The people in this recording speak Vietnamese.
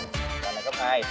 là năm cấp hai